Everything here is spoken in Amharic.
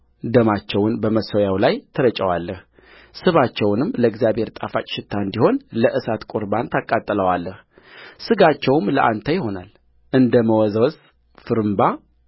ደማቸውን በመሠዊያው ላይ ትረጨዋለህ ስባቸውንም ለእግዚአብሔር ጣፋጭ ሽታ እንዲሆን ለእሳት ቍርባን ታቃጥለዋለህሥጋቸውም ለአንተ ይሆናል እንደ መወዝወዝ ፍርምባ